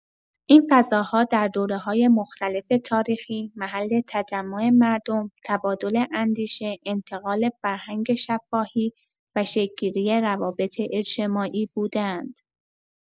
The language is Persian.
این فضاها در دوره‌های مختلف تاریخی، محل تجمع مردم، تبادل اندیشه، انتقال فرهنگ شفاهی و شکل‌گیری روابط اجتماعی بوده‌اند.